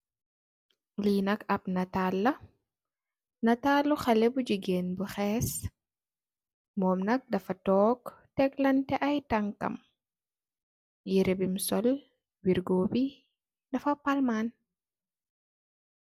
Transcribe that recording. Li nak ap nital la, nitalu xalèh bu gigeen bu xees, mum nak dafa tóóg teklanteh ay tanka'am . Yirèh bum sol wirgo bi dafa palman.